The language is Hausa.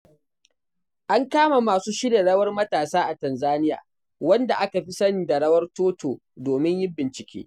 An kama masu shirya rawar matasa a Tanzania wanda aka fi sani da 'rawar Toto' domin yin bincike.